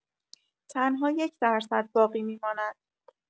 تنها یک درصد باقی می‌ماند.